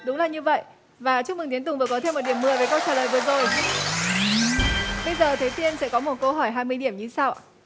đúng là như vậy và chúc mừng tiến tùng vừa có thêm một điểm mười với câu trả lời vừa rồi bây giờ thế tiên sẽ có một câu hỏi hai điểm như sau ạ